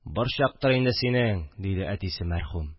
– борчактыр инде синең. – диде әтисе мәрхүм